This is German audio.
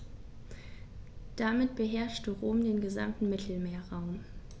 Damit beherrschte Rom den gesamten Mittelmeerraum.